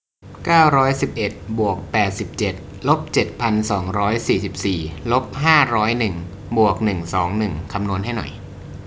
เก้าร้อยสิบเอ็ดบวกแปดสิบเจ็ดลบเจ็ดพันสองร้อยสี่สิบสี่ลบห้าร้อยหนึ่งบวกหนึ่งสองหนึ่งคำนวณให้หน่อย